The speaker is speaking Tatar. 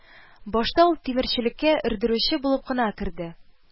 Башта ул тимерчелеккә өрдерүче булып кына керде